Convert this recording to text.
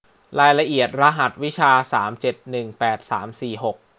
รายละเอียดรหัสวิชาสามเจ็ดหนึ่งแปดสามสี่หก